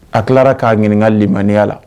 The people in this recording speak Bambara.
A tilara k'a ɲininkaka maniya la